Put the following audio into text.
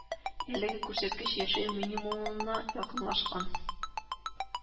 Әлеге күрсәткеч яшәү минимумына якынлашкан